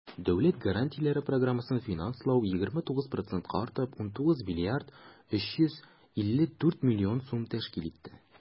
Дәүләт гарантияләре программасын финанслау 29 процентка артып, 19 млрд 354 млн сум тәшкил итте.